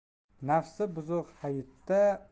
nafsi buzuq hayitda